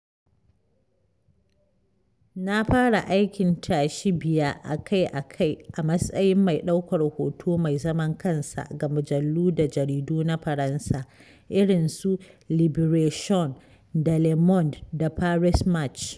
Na fara aikin tashi-biya a kai a kai a matsayin mai ɗaukar hoto mai zaman kansa ga mujallu da jaridu na Faransa, irin su Libération, da Le Monde, da Paris Match.